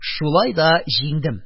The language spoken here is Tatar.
Шулай да җиңдем: